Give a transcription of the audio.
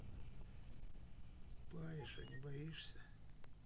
паришь а не боишься